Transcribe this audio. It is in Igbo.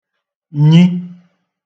nyi